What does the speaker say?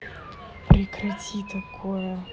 прекрати такое